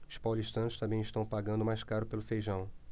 os paulistanos também estão pagando mais caro pelo feijão